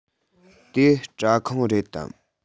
དེ སྐྲ ཁང རེད དམ